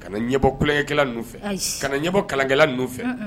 Ka ɲɛbɔ kolonkɛkɛla nɔfɛ ka ɲɛbɔ kalankɛ nɔfɛ